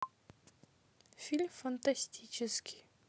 фильм фантастический